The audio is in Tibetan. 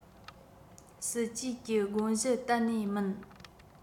སྲིད ཇུས ཀྱི དགོངས གཞི གཏན ནས མིན